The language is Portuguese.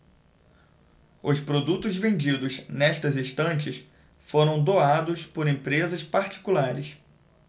os produtos vendidos nestas estantes foram doados por empresas particulares